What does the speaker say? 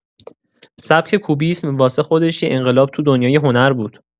سبک کوبیسم واسه خودش یه انقلاب تو دنیای هنر بود.